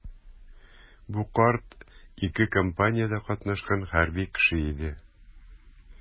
Бу карт ике кампаниядә катнашкан хәрби кеше иде.